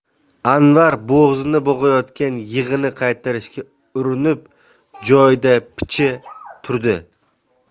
anvar bo'g'zini bo'g'ayotgan yig'ini qaytarishga urinib joyida picha turdi